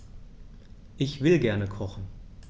Ich will gerne kochen.